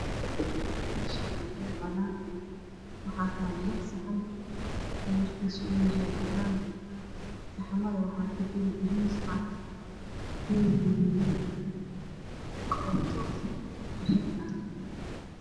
Meshaan waa meel banan wax taalo lex saxan kalarkiisu uu yahy cadan saxamada wax ku jiro bariis cad hilip gadudan iyo karooto bisil ah